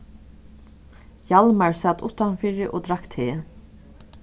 hjalmar sat uttanfyri og drakk te